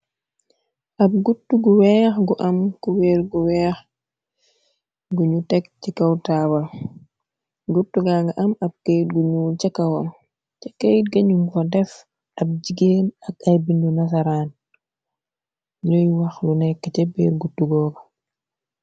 Ab gutt gu weex gu am ku weer gu weex guñu tegg ci kaw taabal gutu ga nga am ab kayt guñu ca kawoon ca keyt ganu ngo def ab jigeen ak ay bindu nazaran nuy wax lu nekk ca beer gutu googa.